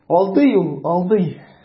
Алдый ул, алдый.